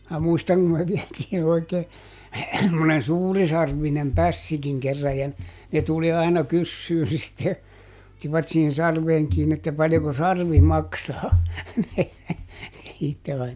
minä muistan kun me vietiin oikein semmoinen suurisarvinen pässikin kerran ja ne tuli aina kysymään sitten ottivat siihen sarveen kiinni että paljonko sarvi maksaa sitten aina